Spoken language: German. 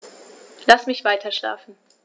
Lass mich weiterschlafen.